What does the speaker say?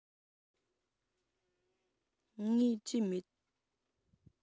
ངས བྲིས མེད